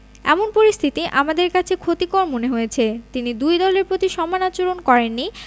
এমন পরিস্থিতি আমাদের কাছে ক্ষতিকর মনে হয়েছে তিনি দুই দলের প্রতি সমান আচরণ করেননি